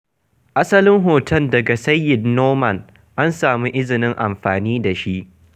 Asalin hoto daga Syed Noman. an samu izinin amfani da shi.